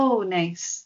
O neis.